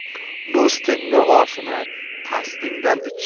do'stingning oshini qasdingdan ich